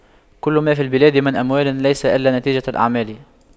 كل ما في البلاد من أموال ليس إلا نتيجة الأعمال